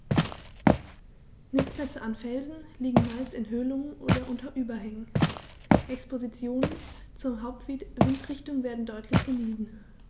Nistplätze an Felsen liegen meist in Höhlungen oder unter Überhängen, Expositionen zur Hauptwindrichtung werden deutlich gemieden.